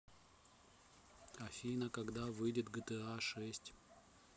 афина когда выйдет gta шесть